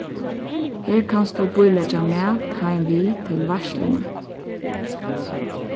her kanst tú bíleggja mat heim við til veitsluna